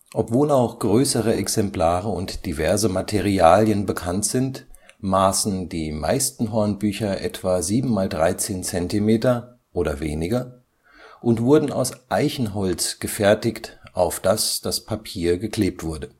Obwohl auch größere Exemplare und diverse Materialien bekannt sind, maßen die meisten Hornbücher etwa 7×13 cm oder weniger und wurden aus Eichenholz gefertigt, auf das das Papier geklebt wurde